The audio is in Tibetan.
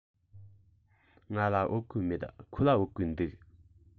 ང ལ བོད གོས མེད ཁོ ལ བོད གོས འདུག